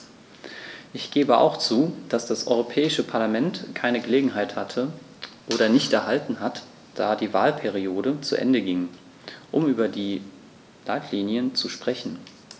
Ich gebe auch zu, dass das Europäische Parlament keine Gelegenheit hatte - oder nicht erhalten hat, da die Wahlperiode zu Ende ging -, um über die Leitlinien zu sprechen.